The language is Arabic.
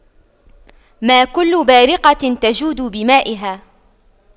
ما كل بارقة تجود بمائها